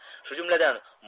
shu jumladan